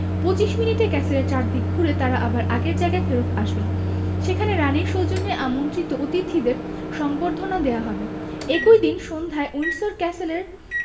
২৫ মিনিটে ক্যাসেলের চারদিক ঘুরে তাঁরা আবার আগের জায়গায় ফেরত আসবেন সেখানে রানির সৌজন্যে আমন্ত্রিত অতিথিদের সংবর্ধনা দেওয়া হবে একই দিন সন্ধ্যায় উইন্ডসর ক্যাসেলের